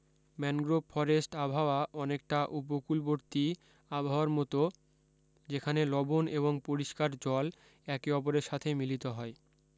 mangrove forest আবহাওয়া অনেকটা উপকূলবর্তী আবহাওয়ার মতো যেখানে লবন এবং পরিষ্কার জল একে অপরের সাথে মিলিত হয়